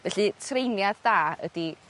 felly treiniad da ydi